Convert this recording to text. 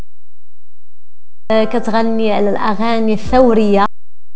غني الاغاني الثوريه